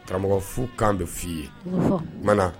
Karamɔgɔ furu kan bɛ f' i ye ,o fɔ, Nana.